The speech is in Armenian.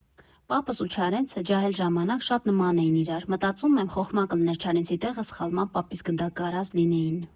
Պապս ու Չարենցը ջահել ժամանակ շատ նման էին իրար, մտածում եմ՝ խոխմա կըլներ Չարենցի տեղը սխալմամբ պապիս գնդակահարած լինեին։